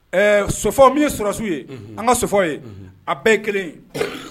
Ɛɛ! Sofaw min ye sɔrɔsiw ye, an ka Sofaw ye. A bɛɛ ye kelen ye.